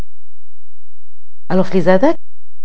الغذاء